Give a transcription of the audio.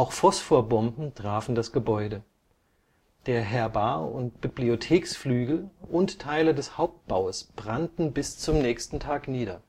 Phosphorbomben trafen das Gebäude. Der Herbar - und Bibliotheksflügel und Teile des Hauptbaues brannten bis zum nächsten Tag nieder